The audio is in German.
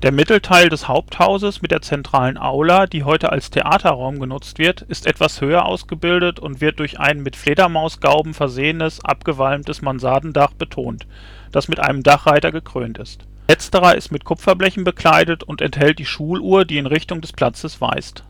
Mittelteil des Haupthauses mit der zentralen Aula, die heute als Theaterraum genutzt wird, ist etwas höher ausgebildet und wird durch ein mit Fledermausgauben versehenes, abgewalmtes Mansarddach betont, das mit einem Dachreiter bekrönt ist. Letzterer ist mit Kupferblechen bekleidet und enthält die Schuluhr, die in Richtung des Platzes weist